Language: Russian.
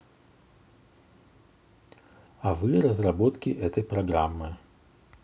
а вы разработки этой программы